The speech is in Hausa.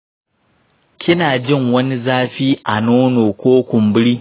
kina jin wani zafi a nono ko kumburi?